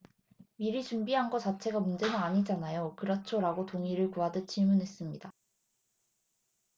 미리 준비한 거 자체가 문제는 아니잖아요 그렇죠 라고 동의를 구하듯 질문했습니다